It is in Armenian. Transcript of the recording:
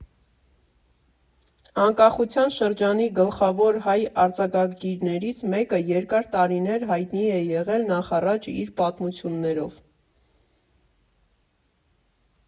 Անկախության շրջանի գլխավոր հայ արձակագիրներից մեկը երկար տարիներ հայտնի եղել նախևառաջ իր պատմվածքներով։